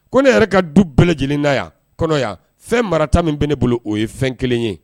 Ko ne yɛrɛ ka du bɛɛ lajɛlen na yan kɔnɔ fɛn marata min bɛ ne bolo o ye fɛn 1 ye.